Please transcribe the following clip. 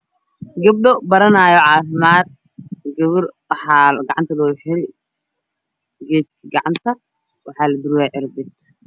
Gabdho baranaayo caafimaad gabar waxa gacanta loogu xiray geed gacanta waxa la durooya cirbad